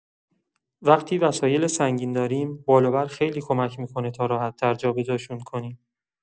وقتی وسایل سنگین داریم، بالابر خیلی کمک می‌کنه تا راحت‌تر جابه‌جاشون کنیم.